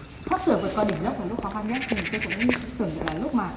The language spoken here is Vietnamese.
sắp sửa vượt qua đỉnh dốc là lúc khó khăn nhất thì tôi cũng tưởng tượng là lúc mà